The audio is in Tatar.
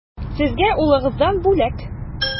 Сезгә улыгыздан бүләк.